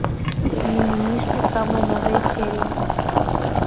мимимишки самые новые серии